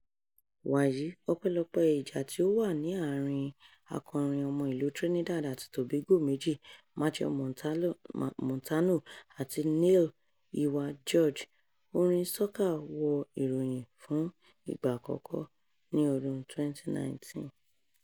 Wàyí, ọpẹ́lọpẹ́ ìjà tí ó wà ní àárín-in akọrin ọmọ ìlú Trinidad àti Tobago méjì Machel Montano àti Neil “Iwer” George, orin soca wọ ìròyìn fún ìgbà àkọ́kọ́ ní ọdún 2019.